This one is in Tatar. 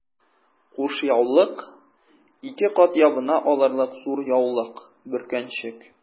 Кушъяулык— ике кат ябына алырлык зур яулык, бөркәнчек...